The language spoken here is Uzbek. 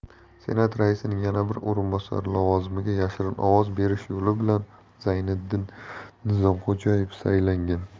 senat raisining yana bir o'rinbosari lavozimiga yashirin ovoz berish yo'li bilan zayniddin nizomxo'jayev saylangan